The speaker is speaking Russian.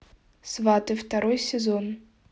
сваты второй сезон